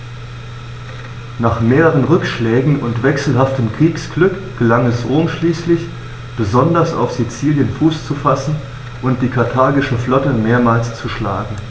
Nach mehreren Rückschlägen und wechselhaftem Kriegsglück gelang es Rom schließlich, besonders auf Sizilien Fuß zu fassen und die karthagische Flotte mehrmals zu schlagen.